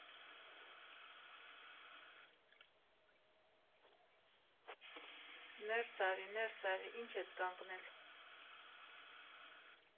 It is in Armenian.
Ներս արի, ներս արի, ի՞նչ ես կանգնել…